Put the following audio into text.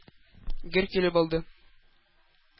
Гөр килеп алды.